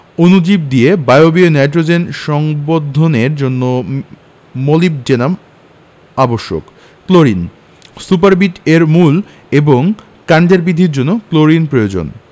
অণুজীব দিয়ে বায়বীয় নাইট্রোজেন সংবন্ধনের জন্য মোলিবডেনাম আবশ্যক ক্লোরিন সুপারবিট এর মূল এবং কাণ্ডের বৃদ্ধির জন্য ক্লোরিন প্রয়োজন